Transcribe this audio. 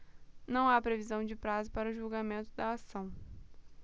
não há previsão de prazo para o julgamento da ação